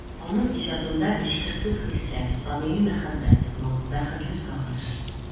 Аның иҗатында эчкерсез хисләр, самими мәхәббәт, моң, бәхетле сагыш...